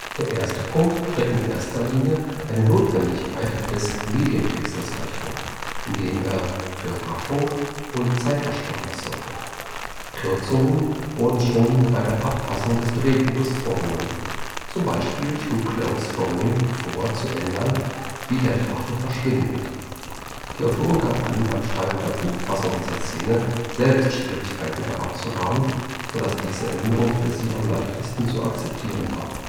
Der erste Punkt trägt in erster Linie einer Notwendigkeit des Medienwechsels Rechnung, indem er für Raffung und Zeitersparnis sorgt. Kürzungen wurden schon bei der Abfassung des Drehbuchs vorgenommen. Zum Beispiel schlug Kloves Rowling vor, zu ändern, wie der Drache verschwindet. Die Autorin gab an, beim Schreiben der Buchfassung dieser Szene selbst Schwierigkeiten gehabt zu haben, sodass diese Änderung für sie am leichtesten zu akzeptieren war